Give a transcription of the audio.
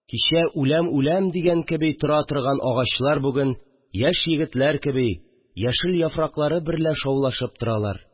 Кичә үләм-үләм дигән кеби тора торган агачлар бүген, яшь егетләр кеби, яшел яфраклары берлә шаулашып торалар